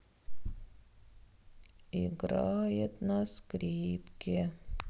играет на скрипке